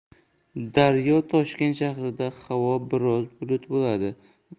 daryo toshkent shahrida havo biroz bulutli bo'ladi